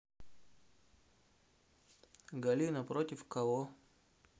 галина против кого